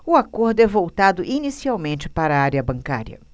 o acordo é voltado inicialmente para a área bancária